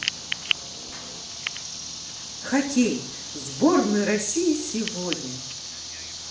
хоккей сборная россии сегодня